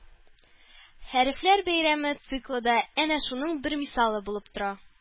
«хәрефләр бәйрәме» циклы да әнә шуның бер мисалы булып тора